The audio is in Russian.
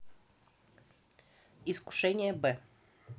искушение б